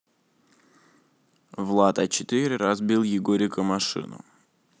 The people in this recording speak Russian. влад а четыре разбил егорика машину